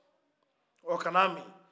ɔ kana a mi